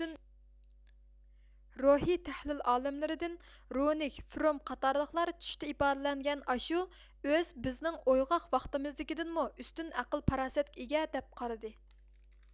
روھىي تەھلىل ئالىملىرىدىن رۇنگ فروم قاتارلىقلار چۈشتە ئىپادىلەنگەن ئاشۇ ئۆز بىزنىڭ ئويغاق ۋاقتىمىزدىكىدىنمۇ ئۈستۈن ئەقىل پاراسەتكە ئىگە دەپ قارىدى